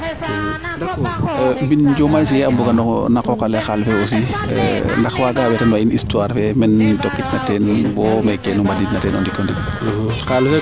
d' accord mbin Diomaye sine a mboga na qoqale xa qaal aussi ndax waaga wetan wa in histoire ne meeke nu ngotid na teen bo meeke nu mbadiin na teen o ndiko ndik